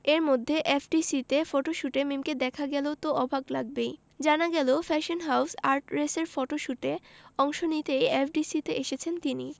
এরমধ্যে এফডিসিতে ফটোশুটে মিমকে দেখা গেল তো অবাক লাগবেই জানা গেল ফ্যাশন হাউজ আর্টরেসের ফটশুটে অংশ নিতেই এফডিসিতে এসেছেন তিনি